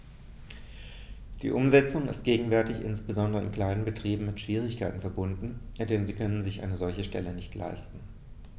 Die Umsetzung ist gegenwärtig insbesondere in kleinen Betrieben mit Schwierigkeiten verbunden, denn sie können sich eine solche Stelle nicht leisten.